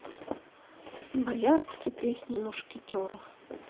боярский песни мушкетеров